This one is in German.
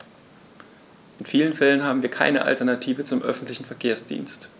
In vielen Fällen haben wir keine Alternative zum öffentlichen Verkehrsdienst.